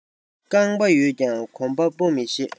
རྐང པ ཡོད ཀྱང གོམ པ སྤོ ནི ཤེས